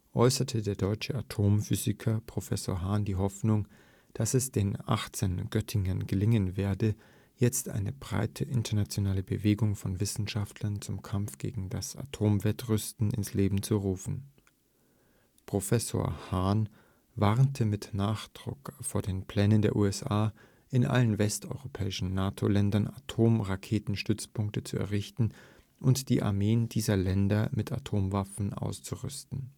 äußerte der deutsche Atomphysiker Prof. Hahn die Hoffnung, dass es den 18 Göttingern gelingen werde, jetzt eine breite internationale Bewegung von Wissenschaftlern zum Kampf gegen das Atomwettrüsten ins Leben zu rufen. Prof. Hahn warnte mit Nachdruck vor den Plänen der USA, in allen westeuropäischen NATO-Ländern Atomraketenstützpunkte zu errichten und die Armeen dieser Länder mit Atomwaffen auszurüsten